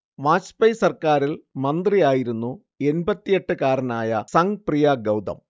വാജ്പേയ് സർക്കാരിൽ മന്ത്രിയായിരുന്നു എണ്‍പത്തിയെട്ടുകാരനായ സംഗ് പ്രിയ ഗൗതം